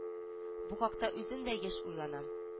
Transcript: Бу хакта үзем дә еш уйланам